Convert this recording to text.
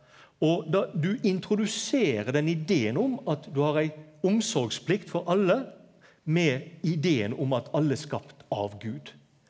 og du introduserer den ideen om at du har ei omsorgsplikt for alle med ideen om at alle er skapt av gud.